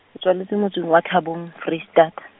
ke tswaletswe motseng wa Thabong, Vrystaat.